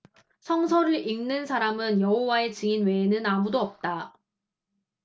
성서를 읽는 사람은 여호와의 증인 외에는 아무도 없다